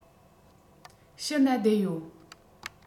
ཕྱི ན བསྡད ཡོད